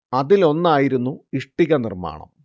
അതിലൊന്നായിരുന്നു ഇഷ്ടിക നിർമ്മാണം